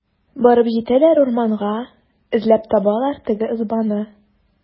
Барып җитәләр урманга, эзләп табалар теге ызбаны.